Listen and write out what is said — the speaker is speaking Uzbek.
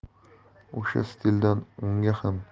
o'sha stildan o'ngga ham